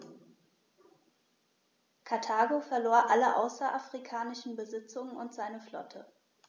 Karthago verlor alle außerafrikanischen Besitzungen und seine Flotte.